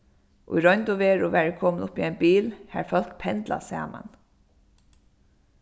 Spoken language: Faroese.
í roynd og veru var eg komin upp í ein bil har fólk pendla saman